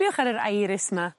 Sbïwch ar yr iris 'ma